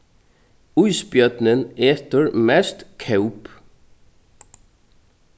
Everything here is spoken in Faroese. ísbjørnin etur mest kóp